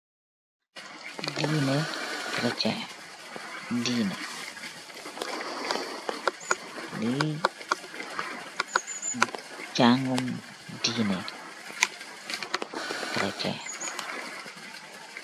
Dineeh cxritain dineeh li jamu dineeh cxritain.